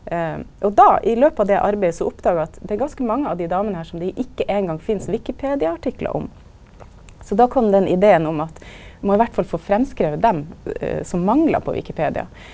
og då i løpet av det arbeidet så oppdaga at det er ganske mange av dei damene her som dei ikkje eingong finst wikipediaartikler om, så då kom den ideen om at må iallfall få framskrive dei som mangla på Wikipedia.